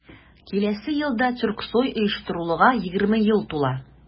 Киләсе елда Тюрксой оештырылуга 20 ел тула.